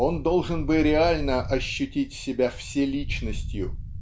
он должен бы реально ощутить себя вселичностью.